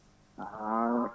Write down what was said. an